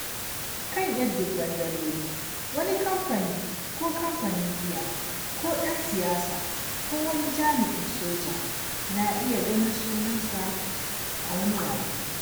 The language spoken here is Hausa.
Kan ‘yan dubban daloli, “wani kamfani ko kamfanin giya ko ɗan siyasa ko wani jami’in soja” na iya ganin sunansa a wani waƙe.